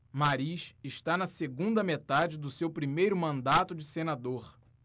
mariz está na segunda metade do seu primeiro mandato de senador